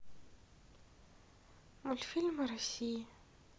мультфильмы россии